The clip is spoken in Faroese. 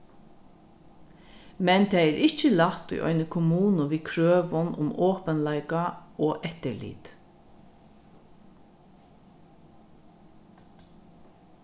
men tað er ikki lætt í eini kommunu við krøvum um opinleika og eftirlit